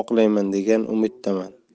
oqlayman degan umiddaman